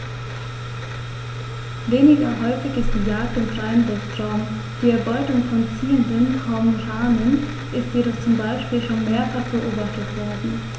Weniger häufig ist die Jagd im freien Luftraum; die Erbeutung von ziehenden Kormoranen ist jedoch zum Beispiel schon mehrfach beobachtet worden.